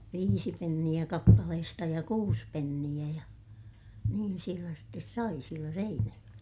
viisi penniä kappaleesta ja kuusi penniä ja niin siellä sitten sai siellä Seinäjoella